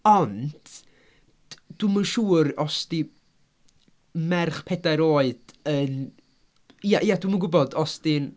Ond d- dwi'm yn siŵr os 'di merch pedair oed yn, ia ia dwi'm yn gwbod os 'di'n...